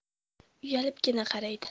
uyalibgina qaraydi